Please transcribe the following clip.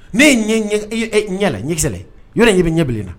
Ne ye n ɲɛ, n ɲɛ lajɛ . N ɲɛkisɛ lajɛ yɔrɔ a bilelen don.